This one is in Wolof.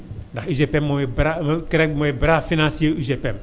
ndax UGPM mooy bras mooy CREC mooy bras financier wu UGPM